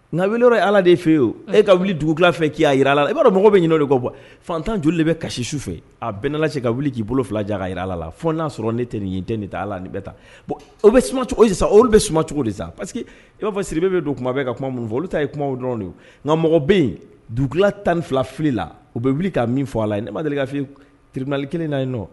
Nka weele yɔrɔ ala de fɛye e ka wuli dugula fɛ k'i'a jira a la i'a dɔn mɔgɔ bɛ ɲ de kɔ bɔ fatan joli de bɛ kasi su fɛ a bɛn ka wuli k'i bolo fila jan a jira a la n y'a sɔrɔ ne tɛ nin de t' la bɛ taa bon o bɛcogo sisan olu bɛ sumacogo de sa parce que i b'a fɔ sirisiri bɛ don kuma bɛ ka kuma min fɔ olu ta ye kuma dɔrɔn de nka mɔgɔ bɛ yen dugu tan ni fila fili la u bɛ wuli k' min fɔ a la ne ma deli k'fi tiriinali kelen na yen nɔ